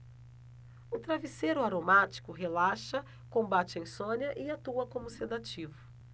o travesseiro aromático relaxa combate a insônia e atua como sedativo